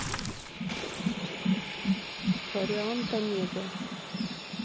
вариант омега